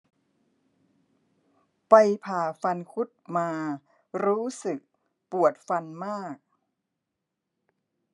ไปผ่าฟันคุดมารู้ปวดฟันมาก